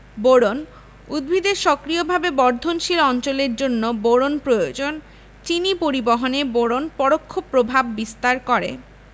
boron উদ্ভিদের সক্রিয়ভাবে বর্ধনশীল অঞ্চলের জন্য বোরন প্রয়োজন চিনি পরিবহনে বোরন পরোক্ষ প্রভাব বিস্তার করে